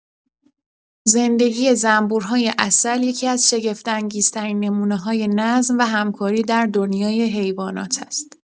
زندگی زنبورهای عسل یکی‌از شگفت‌انگیزترین نمونه‌های نظم و همکاری در دنیای حیوانات است.